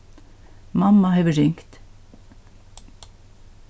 mamma hevur ringt